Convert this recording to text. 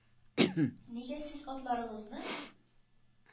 -нигә сез атларыгызны